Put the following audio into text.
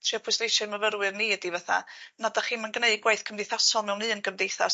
trio pwysleisio i myfyrwyr ni ydi fatha nad 'dych chi'm yn gneud gwaith cymdeithasol mewn un gymdeithas